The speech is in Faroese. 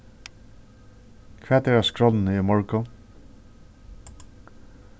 hvat er á skránni í morgun